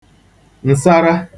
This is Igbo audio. ǹsara